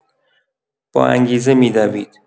باانگیزه می‌دوید.